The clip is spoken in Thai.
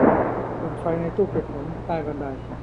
เปิดไฟในตู้เก็บของใต้บันได